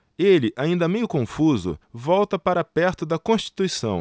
ele ainda meio confuso volta para perto de constituição